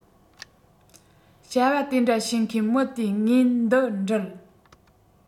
བྱ བ དེ འདྲ བྱེད མཁན མི དེ ངེས འདུ འདྲིལ